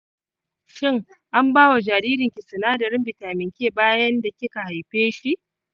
shin an bawa jaririnki sinadarin vitamin k bayan da kika haifeshi?